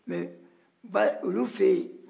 mɛ olu fɛ yen